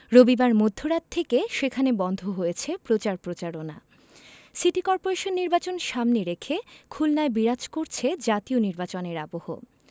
রবিবার মধ্যরাত থেকে সেখানে বন্ধ হয়েছে প্রচার প্রচারণা সিটি করপোরেশন নির্বাচন সামনে রেখে খুলনায় বিরাজ করছে জাতীয় নির্বাচনের আবহ